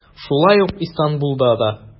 Шулай ук Истанбулда да.